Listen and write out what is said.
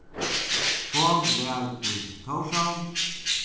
hon var í tórshavn